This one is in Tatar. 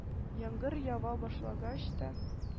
Яңгыр ява башлагач та,